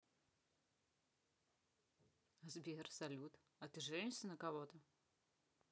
сбер салют а ты женишься на кого то